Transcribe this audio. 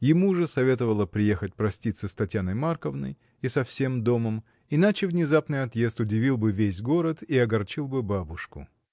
Ему же советовала приехать проститься с Татьяной Марковной и со всем домом, иначе внезапный отъезд удивил бы весь город и огорчил бы бабушку.